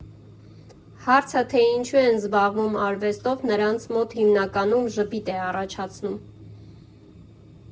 Հարցը, թե ինչու են զբաղվում արվեստով, նրանց մոտ հիմնականում ժպիտ է առաջացնում։